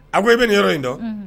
A ko i bɛ nin yɔrɔ in dɔn